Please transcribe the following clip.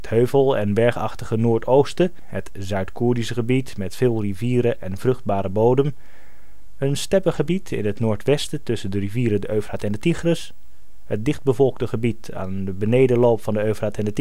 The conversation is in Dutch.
heuvel - en bergachtige noordoosten (Zuid-Koerdisch gebied), met veel rivieren en een vruchtbare bodem een steppegebied in het noordwesten, tussen de rivieren Eufraat en Tigris het dichtbevolkte gebied aan de benedenloop van Eufraat